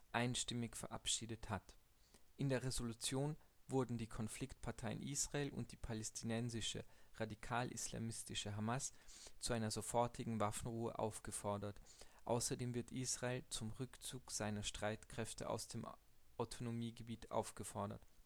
einstimmig verabschiedet hat. In der Resolution wurden die Konfliktparteien Israel und die palästinensische radikal-islamistische Hamas zu einer sofortigen Waffenruhe aufgefordert. Außerdem wird Israel zum Rückzug seiner Streitkräfte aus dem Autonomiegebiet aufgefordert